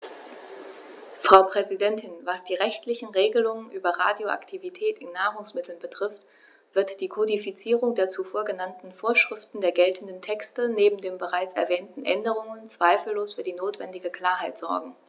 Frau Präsidentin, was die rechtlichen Regelungen über Radioaktivität in Nahrungsmitteln betrifft, wird die Kodifizierung der zuvor genannten Vorschriften der geltenden Texte neben den bereits erwähnten Änderungen zweifellos für die notwendige Klarheit sorgen.